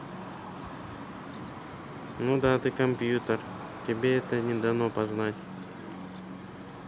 ну да ты компьютер тебе это не дано познать